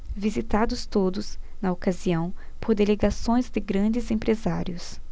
visitados todos na ocasião por delegações de grandes empresários